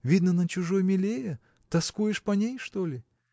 Видно, на чужой милее; тоскуешь по ней, что ли?